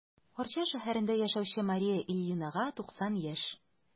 Арча шәһәрендә яшәүче Мария Ильинага 90 яшь.